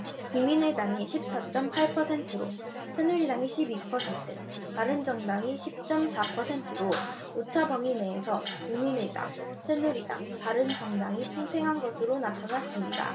국민의당이 십 사 쩜 팔 퍼센트로 새누리당이 십 이 퍼센트 바른정당이 십 쩜 사 퍼센트로 오차범위 내에서 국민의당 새누리당 바른정당이 팽팽한 것으로 나타났습니다